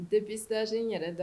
Dépistage in yɛrɛ da